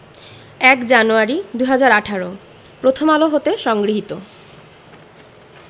০১ জানুয়ারি ২০১৮ প্রথম আলো হতে সংগৃহীত